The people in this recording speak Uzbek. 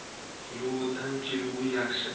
suluvidan jiluvi yaxshi